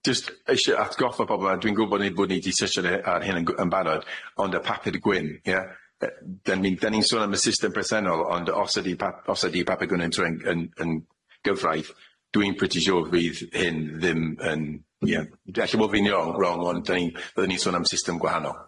Yy jyst eisie atgoffa pobol a dwi'n gwbod neu' bod ni di sytsio ar hyn yn gw- yn barod ond y papur gwyn ie, yy dyn ni'n dyn ni'n sôn am y system presennol ond os ydi pa- os ydi papur gwyn yn troi'n yn yn gyfraith dwi'n pretty sure fydd hyn ddim yn ie d- ella bo' fi'n wrong ond dyn ni'n fyddwn ni'n sôn am system gwahanol.